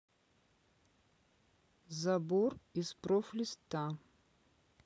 забор из профлиста